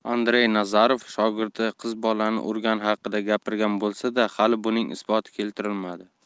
andrey nazarov shogirdi qiz bolani urgani haqida gapirgan bo'lsa da hali buning isboti keltirilmadi